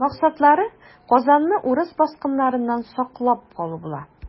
Максатлары Казанны урыс баскыннарыннан саклап калу була.